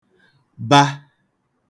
ba